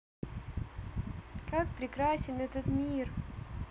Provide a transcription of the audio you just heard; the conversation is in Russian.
как прекрасен этот мир